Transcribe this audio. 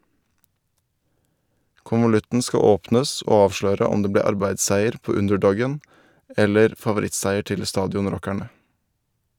Konvolutten skal åpnes, og avsløre om det ble arbeidsseier på underdogen, eller favorittseier til stadionrockerne.